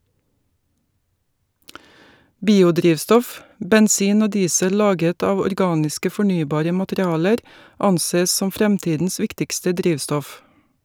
Biodrivstoff - bensin og diesel laget av organiske, fornybare materialer ansees som fremtidens viktigste drivstoff.